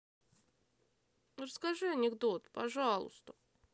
расскажи анекдот пожалуйста